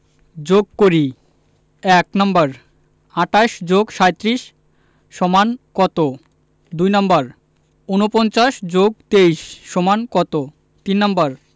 যোগ করিঃ ১ নাম্বার ২৮ + ৩৭ = কত ২নাম্বার ৪৯ + ২৩ = কত ৩নাম্বার